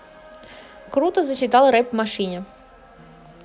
круто зачитал рэп в машине